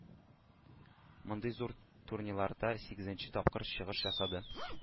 Мондый зур турнирларда сигезенче тапкыр чыгыш ясады